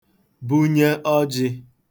bunye ọjị̄